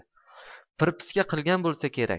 prpiska qilgan bo'lsa kerak